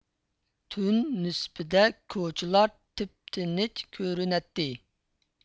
تۈن نىسپىدە كوچىلار تىپتىنىچ كۆرۈنەتتى